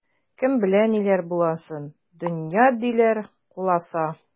Кем белә ниләр буласын, дөнья, диләр, куласа.